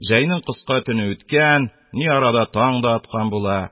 Җәйнең кыска төне үткән, ни арада таң да аткан була.